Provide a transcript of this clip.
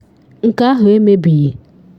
Nke ahụ emebeghị.